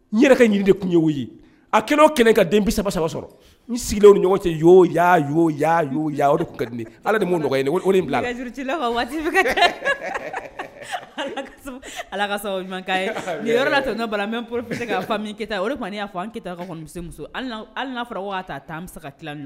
Yɛrɛ ɲini de tun ye ye a kɛlen ka den bi saba saba sɔrɔ n sigilen ni ɲɔgɔn cɛ y'o y' ala ɲɔgɔn waati ala nin yɛrɛ la balamɛ poro ka fa min taa o y'a fɔ an ka taa ka hali'a fɔra waa taa taama sa ka tila